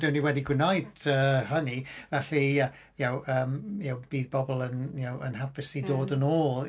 Dan ni wedi gwneud yy hynny felly yy y'know yym y'know bydd pobl yn y'know hapus i dod yn ôl.